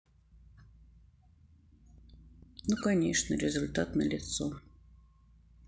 ну конечно результат на лицо